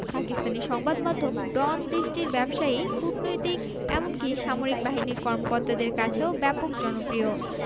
পাকিস্তানি সংবাদ মাধ্যম ডন দেশটির ব্যবসায়ী কূটনীতিক এমনকি সামরিক বাহিনীর কর্মকর্তাদের কাছেও ব্যাপক জনপ্রিয়